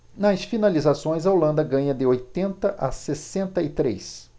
nas finalizações a holanda ganha de oitenta a sessenta e três